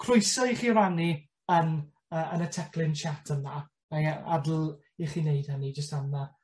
Croeso i chi rannu yn yn y teclyn chat yma, nâi a - adl i chi neud hynny jyst am yy